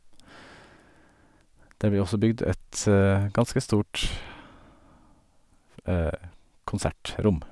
Det blir også bygd et ganske stort konsertrom.